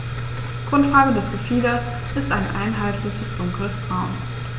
Grundfarbe des Gefieders ist ein einheitliches dunkles Braun.